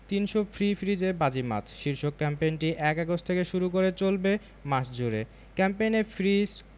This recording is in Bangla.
৩০০ ফ্রি ফ্রিজে বাজিমাত শীর্ষক ক্যাম্পেইনটি ১ আগস্ট থেকে শুরু হয়ে চলবে মাস জুড়ে ক্যাম্পেইনে ফ্রিজ